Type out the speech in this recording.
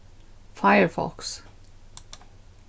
firefox